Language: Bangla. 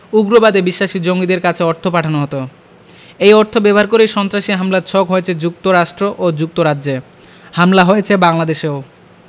উগ্রবাদে বিশ্বাসী জঙ্গিদের কাছে অর্থ পাঠানো হতো এই অর্থ ব্যবহার করেই সন্ত্রাসী হামলার ছক হয়েছে যুক্তরাষ্ট্র ও যুক্তরাজ্যে হামলা হয়েছে বাংলাদেশেও